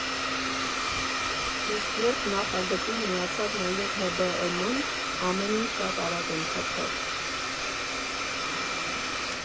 Իսկ երբ նախագծին միացավ նաև ՀԲԸՄ֊ն, ամեն ինչ շատ արագ ընթացավ»։